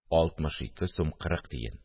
– алтмыш ике сум кырык тиен